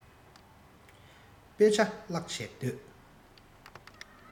དཔེ ཆ བཀླགས བྱས སྡོད